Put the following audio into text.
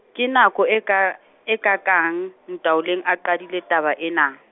ke nako e ka-, e kaakang Ntaoleng a qadile taba ena?